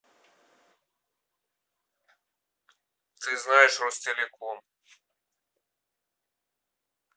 ты знаешь ростелеком